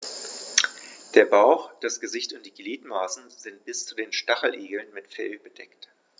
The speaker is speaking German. Der Bauch, das Gesicht und die Gliedmaßen sind bei den Stacheligeln mit Fell bedeckt.